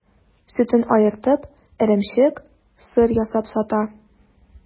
Сөтен аертып, эремчек, сыр ясап сата.